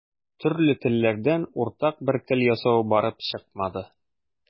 Төрле телләрдән уртак бер тел ясау барып чыкмады.